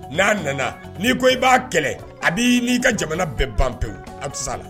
N'a nana'i ko i b'a kɛlɛ ani n ka jamana bɛɛ ban pewu a la